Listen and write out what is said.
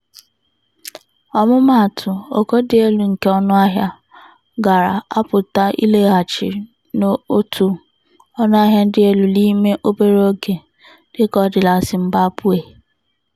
Ọmụmaatụ, ogo dị elu nke ọnụahịa, gaara apụta ịlaghachi n'òtù ọnụahịa dị elu n'ime obere oge, dịka ọ dị na Zimbabwe.